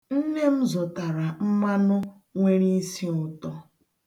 Nne m zụtara mmanụ nwere isi ụtọ.